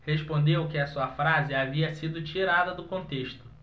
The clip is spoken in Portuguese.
respondeu que a sua frase havia sido tirada do contexto